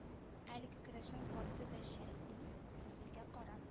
Әлеге керәшен карты бәчели фасилгә карап